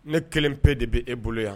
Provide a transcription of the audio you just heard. Ne kelen pe de b bɛ e bolo yan